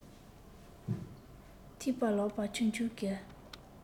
ཐིགས པ ལག པ ཆུང ཆུང གིས